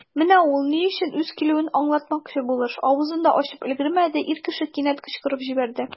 Менә ул, ни өчен килүен аңлатмакчы булыш, авызын да ачып өлгермәде, ир кеше кинәт кычкырып җибәрде.